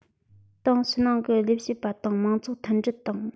ཏང ཕྱི ནང གི ལས བྱེད པ དང མང ཚོགས མཐུན སྒྲིལ དང